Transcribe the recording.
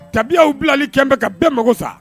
Tabiyaw bilali cɛ bɛ ka bɛn mago sa